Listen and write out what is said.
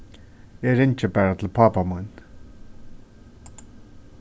eg ringi bara til pápa mín